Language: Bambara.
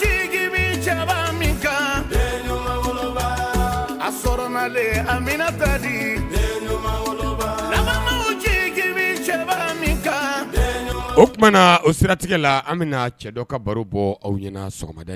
jigi cɛkɔrɔba min a sɔrɔlalen amina cɛ cɛkɔrɔba min o tumaumana na o siratigɛ la an bɛna cɛ dɔ ka baro bɔ aw ɲɛna sɔgɔmada ye